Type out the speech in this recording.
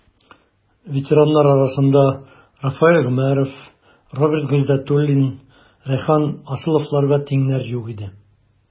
Ветераннар арасында Рафаэль Гомәров, Роберт Гыйздәтуллин, Рәйхан Асыловларга тиңнәр юк иде.